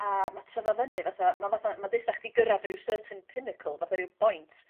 A ma' tyfa fynny fetha ma' fatha ma'n deuthda chdi gyrradd ryw certain pinnacle fatha ryw boint